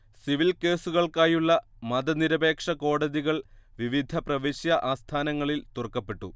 civil കേസുകൾക്കായുള്ള മതനിരപേക്ഷകോടതികൾ വിവിധ പ്രവിശ്യ ആസ്ഥാനങ്ങളിൽ തുറക്കപ്പെട്ടു